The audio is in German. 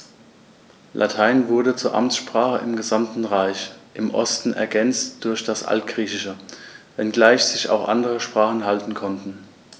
Latein wurde zur Amtssprache im gesamten Reich (im Osten ergänzt durch das Altgriechische), wenngleich sich auch andere Sprachen halten konnten.